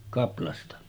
kaplasta